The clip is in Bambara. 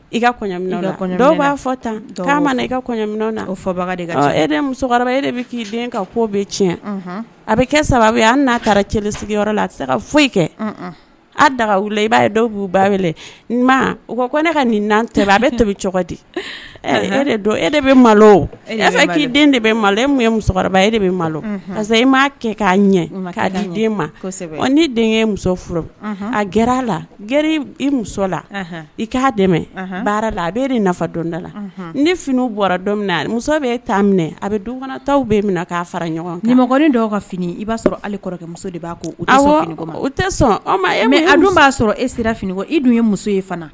I ka kɔɲɔ dɔw b'a fɔ tan i ka kɔɲɔ e k'i ko bɛ tiɲɛ a bɛ kɛ sababu an n'a kɛra cɛ sigiyɔrɔ la ka foyi kɛ a daga i b'a ye b'u ba wele u ne ka nin a bɛ to cogo di e de bɛ malo k'i de bɛ malo e musokɔrɔba e de bɛ malo parce que i m'a kɛ k'a ɲɛ k'a di' den ma ni denkɛ muso furu a g a la g i muso la i k'a dɛmɛ baara la a bɛ de nafa dɔnda la ni fini bɔra don muso bɛ taa minɛ a bɛ bɛ minɛ k'a fara ɲɔgɔnmɔgɔ dɔw ka fini b'a sɔrɔ kɔrɔkɛmuso de b'a tɛ sɔn b'a sɔrɔ e sera fini ko e dun ye muso